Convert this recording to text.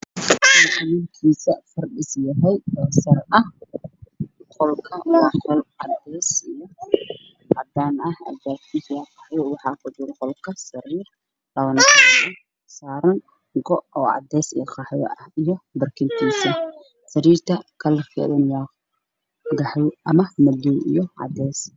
Waa qol maxaa yeelay sariir waxaa saaran joodari ayaa saaran sariirta waa madow albaabka waa furan yahay waana caddaan